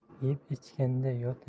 yeb ichganda yot